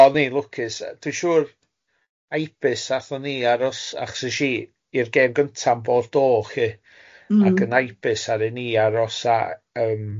O o'n i'n lwcus yy dwi'n siŵr Ibis aethon ni aros aches i i'r gêm gynta am Bordeaux lly yym, ac yn Ibis aron ni aros a yym.